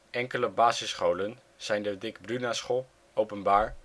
Enkele basisscholen zijn de Dick Brunaschool (openbaar